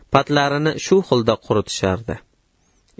patlarini shu xilda quritishar edi